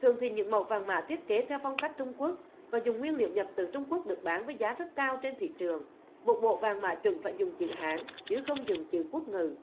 thường thì những mẫu vàng mã thiết kế theo phong cách trung quốc và dùng nguyên liệu nhập từ trung quốc được bán với giá rất cao trên thị trường bộ vàng mã chuẩn phải dùng chữ hán chứ không dùng chữ quốc ngữ